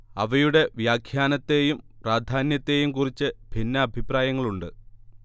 അവയുടെ വ്യാഖ്യാനത്തേയും പ്രാധാന്യത്തേയും കുറിച്ച് ഭിന്നാഭിപ്രായങ്ങളുണ്ട്